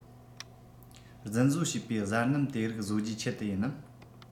རྫུན བཟོ བྱས པའི བཟའ སྣུམ དེ རིགས བཟོ རྒྱུའི ཆེད དུ ཡིན ནམ